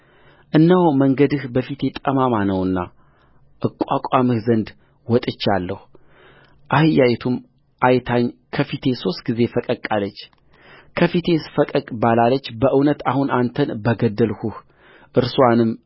እነሆ መንገድህ በፊቴ ጠማማ ነውና እቋቋምህ ዘንድ ወጥቼአለሁአህያይቱም አይታኝ ከፊቴ ሦስት ጊዜ ፈቀቅ አለች ከፊቴስ ፈቀቅ ባላለች በእውነት አሁን አንተን በገደልሁህ እርስዋንም